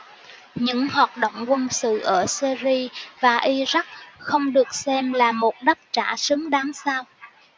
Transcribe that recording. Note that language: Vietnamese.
những hoạt động quân sự ở syria và iraq không được xem là một đáp trả xứng đáng sao